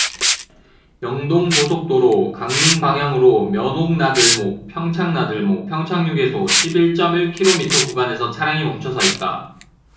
영동고속도로 강릉방향으로 면옥나들목 평창나들목 평창휴게소 십 일 쩜 일 키로미터 구간에서 차량이 멈춰서 있다